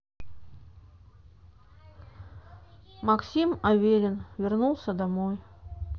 максим аверин вернулся домой